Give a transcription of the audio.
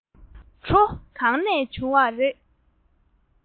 གྲོ གང ནས བྱུང བ རེད